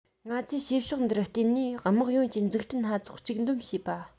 ང ཚོས བྱེད ཕྱོགས འདིར བརྟེན ནས དམག ཡོངས ཀྱི འཛུགས སྐྲུན སྣ ཚོགས གཅིག འདོམས བྱེད པ